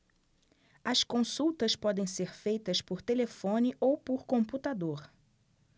as consultas podem ser feitas por telefone ou por computador